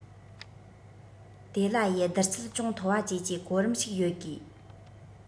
དེ ལ ཡི བསྡུར ཚད ཅུང མཐོ བ བཅས ཀྱི གོ རིམ ཞིག ཡོད དགོས